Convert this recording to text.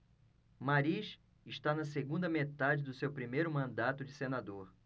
mariz está na segunda metade do seu primeiro mandato de senador